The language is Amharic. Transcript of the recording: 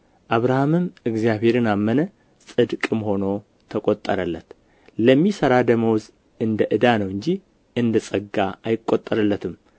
አብርሃምም እግዚአብሔርን አመነ ጽድቅም ሆኖ ተቈጠረለት ለሚሠራ ደመወዝ እንደ ዕዳ ነው እንጂ እንደ ጸጋ አይቈጠርለትም